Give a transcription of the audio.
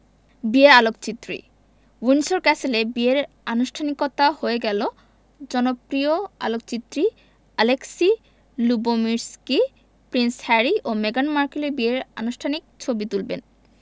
বিয়ের আলোকচিত্রী উইন্ডসর ক্যাসেলে বিয়ের আনুষ্ঠানিকতা হয়ে গেলো জনপ্রিয় আলোকচিত্রী অ্যালেক্সি লুবোমির্সকি প্রিন্স হ্যারি ও মেগান মার্কেলের বিয়ের আনুষ্ঠানিক ছবি তুলবেন